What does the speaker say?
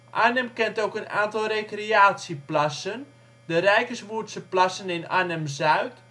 Arnhem kent ook een aantal (recreatie -) plassen; de Rijkerswoerdse plassen in Arnhem-Zuid